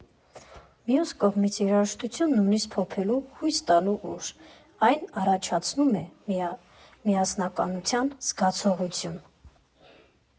Մյուս կողմից՝ երաժշտությունն ունի սփոփելու, հույս տալու ուժ, այն առաջացնում է միասնականության զգացողություն։